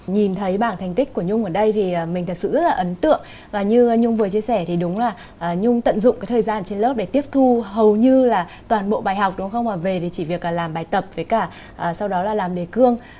nhìn thấy bảng thành tích của nhung ở đây thì mình thật sự ấn tượng và như nhung vừa chia sẻ thì đúng là ở nhung tận dụng thời gian trên lớp để tiếp thu hầu như là toàn bộ bài học đúng không ạ về để chỉ việc làm bài tập với cả sau đó là làm đề cương